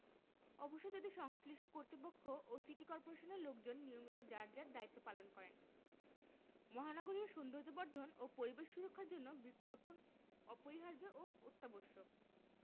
অবশ্য যদি সংশ্লিষ্ট কর্তৃপক্ষ ও সিটি কর্পোরেশনের লোকজন নিয়মিত যার যার দায়িত্ব পালন করেন মহানগরীর সৌন্দর্যবর্ধন ও পরিবেশ সুরক্ষার জন্য বৃক্ষরোপণ অপরিহার্য ও অত্যাবশ্যক